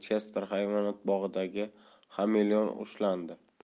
chester hayvonot bog'idagi xameleon ushlandi